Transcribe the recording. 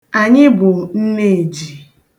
Anyị bụ nneeji.